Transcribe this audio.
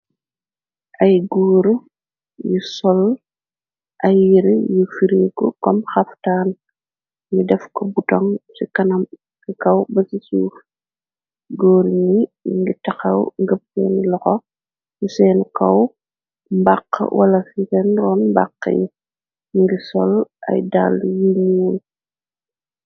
Ay guur yu sol ay yir yu firnku kom xaftaan mi def ko butoŋ ci kana ki kaw ba ci ci guur ñi ngi taxaw ngëppeen loxo ci seen kaw mbax wala ciseen roon mbax yi ngi sol ay dal yu ñuuy.